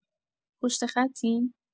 پشت خطی؟